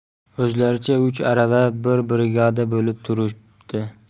o'zlaricha uch arava bir brigada bo'lib turibdi